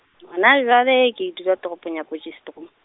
hona jwale, ke dula toropong ya Potchefstroom.